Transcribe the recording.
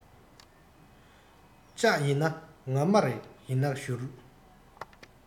ལྕགས ཡིན ན ངར མར ཡིན ན བཞུར